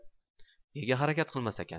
nega harakat qilmasakan